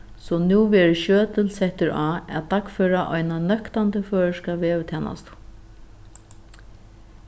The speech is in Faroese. so nú verður sjøtul settur á at dagføra eina nøktandi føroyska veðurtænastu